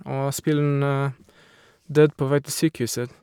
Og spilleren døde på vei til sykehuset.